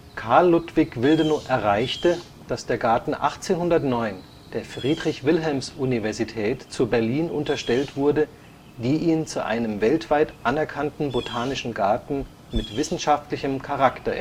Carl Ludwig Willdenow erreichte, dass der Garten 1809 der Friedrich-Wilhelms-Universität zu Berlin unterstellt wurde, die ihn zu einem weltweit anerkannten Botanischen Garten mit wissenschaftlichem Charakter